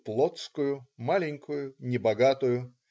Плотскую, маленькую, небогатую.